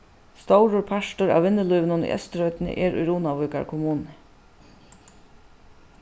stórur partur av vinnulívinum í eysturoynni er í runavíkar kommunu